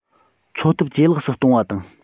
འཚོ ཐབས ཇེ ལེགས སུ གཏོང བ དང